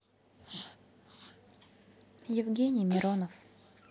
евгений миронов